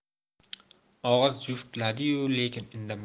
og'iz juftladiyu lekin indamadi